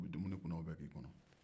u bɛ dumuni kun na u bɛ ka i kɔnɔ